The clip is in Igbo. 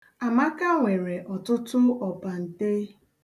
Amaka nwere ọtụtụ ọpante.